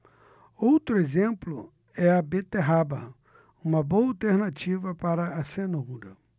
outro exemplo é a beterraba uma boa alternativa para a cenoura